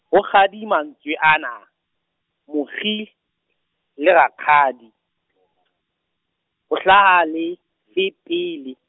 ho kgadi mantswe ana, mokgi le rakgadi , ho hlaha lefe pele?